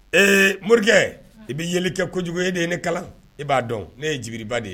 Ee morikɛ i bɛ ye kɛ kojugu ye ye ne kalan e b'a dɔn ne yejiba de ye